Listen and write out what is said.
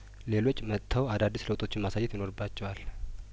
ሌሎች መተው አዳዲስ ለውጦችን ማሳየት ይኖርባቸዋል